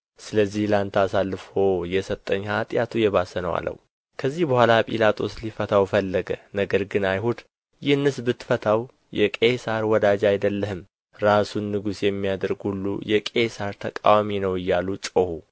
ስለዚህ ለአንተ አሳልፎ የሰጠኝ ኃጢአቱ የባሰ ነው አለው ከዚህ በኋላ ጲላጦስ ሊፈታው ፈለገ ነገር ግን አይሁድ ይህንስ ብትፈታው የቄሣር ወዳጅ አይደለህም ራሱን ንጉሥ የሚያደርግ ሁሉ የቄሣር ተቃዋሚ ነው እያሉ ጮኹ